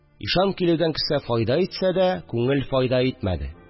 Ишан килүдән кесә файда итсә дә, күңел файда итмәде